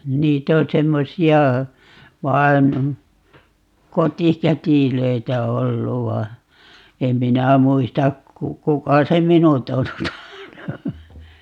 niitä on semmoisia vain kotikätilöitä ollut vaan en minä muista - kuka se minut on tuota